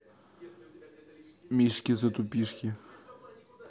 мишки затупишки